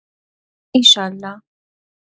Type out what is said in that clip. ایشالا